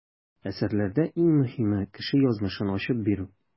Әсәрләрдә иң мөһиме - кеше язмышын ачып бирү.